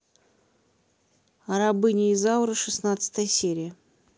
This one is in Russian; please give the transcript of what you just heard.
рабыня изаура шестнадцатая серия